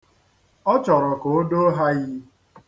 Ọ chọrọ ka o doo ha iyi.